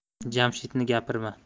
jamshidni gapirma